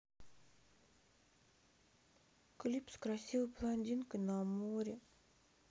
клип с красивой блондинкой на море